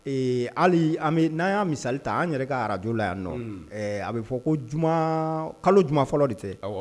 Eee hali an be nan ya misali ta. An yɛrɛ ka radio la yan nɔ . Ɛɛ a bi fɔ ko juma kalo juma fɔlɔ de tɛ awɔ